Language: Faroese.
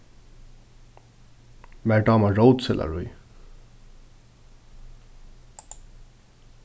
mær dámar rótsellarí